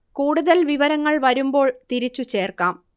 കൂടുതൽ വിവരങ്ങൾ വരുമ്പോൾ തിരിച്ചു ചേർക്കാം